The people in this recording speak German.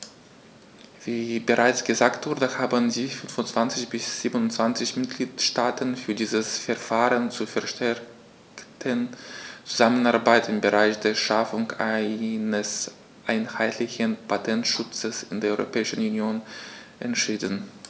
Wie bereits gesagt wurde, haben sich 25 der 27 Mitgliedstaaten für dieses Verfahren zur verstärkten Zusammenarbeit im Bereich der Schaffung eines einheitlichen Patentschutzes in der Europäischen Union entschieden.